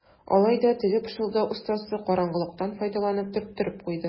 Алай да теге пышылдау остасы караңгылыктан файдаланып төрттереп куйды.